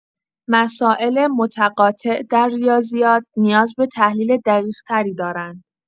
مسائل متقاطع در ریاضیات نیاز به تحلیل دقیق‌تری دارند.